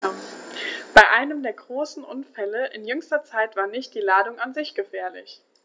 Bei einem der großen Unfälle in jüngster Zeit war nicht die Ladung an sich gefährlich.